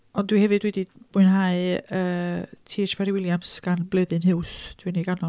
Ond dwi hefyd wedi mwynhau yy T.H. Parry Williams gan Bleddyn Huws. Dwi'n ei ganol.